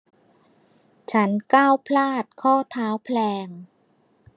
ฉันก้าวพลาดข้อเท้าแพลง